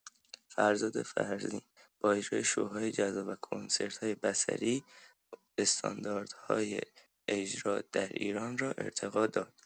فرزاد فرزین با اجرای شوهای جذاب و کنسرت‌های بصری، استانداردهای اجرا در ایران را ارتقا داد.